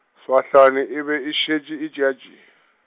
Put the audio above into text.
swahlane e be e šetše e tšeatšea.